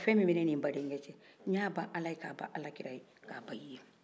fɛ min bɛ ne ni n bandenkɛ cɛ n ban ala ye ka ban kira ye ka ban i ye